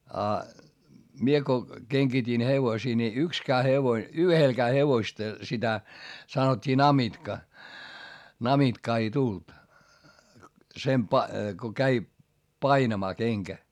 ja minä kun kengitin hevosia niin yksikään hevonen yhdelläkään hevosista sitä sanottiin namitka namitkaa ei tullut sen - kun kävi painamaan kenkä